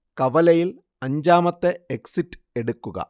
കവലയിൽ അഞ്ചാമത്തെ എക്സിറ്റ് എടുക്കുക